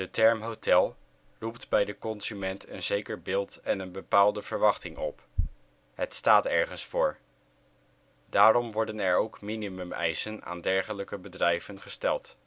term hotel roept bij de consument een zeker beeld en een bepaalde verwachting op. Het staat ergens voor. Daarom worden er ook minimumeisen aan degelijke bedrijven gesteld